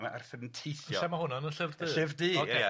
Ma' Arthur yn teithio... Lle ma' hwnna'n y llyfr du? Y llyfr du. Ocê, Ia.